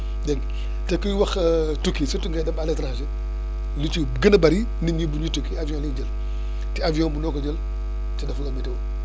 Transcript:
dégg nga te kuy wax tukki surtout ngay dem à l' étranger lu cuy gën a bëri nit ñi bu ñuy tukki avion la ñuy jël te avion mënuloo ko jël te defuloo météo